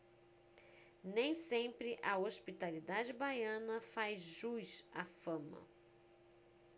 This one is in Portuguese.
nem sempre a hospitalidade baiana faz jus à fama